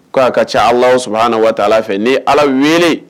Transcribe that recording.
Ko' a ka ca ala saba na waati ala fɛ ni ala wele